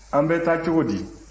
an bɛ taa cogo di